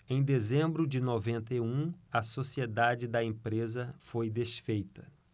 em dezembro de noventa e um a sociedade da empresa foi desfeita